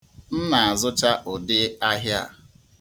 M na-azụcha ụdị ahịa a.